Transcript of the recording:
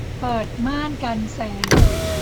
เปิดม่านกันแสง